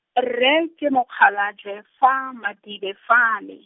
rre, ke Mokgalajwe fa, Madibe fale.